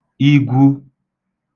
igwu